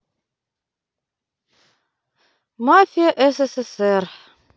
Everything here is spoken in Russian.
мафия ссср